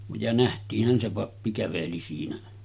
ja nähtiinhän se pappi käveli siinä